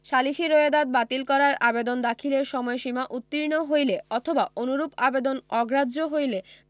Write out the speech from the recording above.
সালিসী রোয়েদাদ বাতিল করার আবেদন দাখিলের সময়সীমা উত্তীর্ণ হইলে অথবা অনুরূপ আবেদন অগ্রাহ্য হইলে